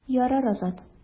Ярар, Азат.